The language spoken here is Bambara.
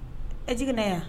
E jiginig na yan